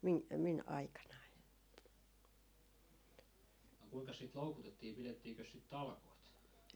- minun aikanani